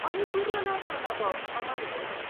O'n i wirioneddol yn meddwl o 'ma ni.